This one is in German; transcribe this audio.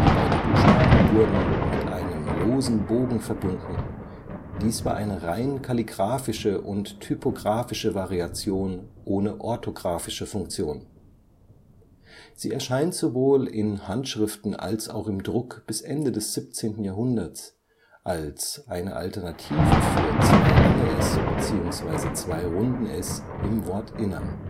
beiden Buchstaben wurden mit einem losen Bogen verbunden; dies war eine rein kalligrafische und typografische Variation ohne orthografische Funktion. Sie erscheint sowohl in Handschriften als auch im Druck bis Ende des 17. Jahrhunderts als eine Alternative für ſſ bzw. ss im Wortinneren